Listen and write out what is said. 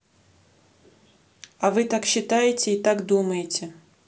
а вы так считаете и так думаете